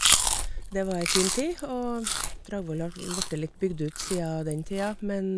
Det var ei fin tid, og Dragvoll har vo vorte litt bygd ut sia den tida, men...